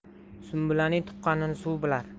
sumbulaning tuqqanini suv bilar